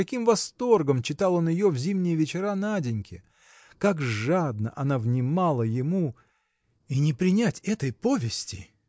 с каким восторгом читал он ее в зимние вечера Наденьке! как жадно она внимала ему! – и не принять этой повести!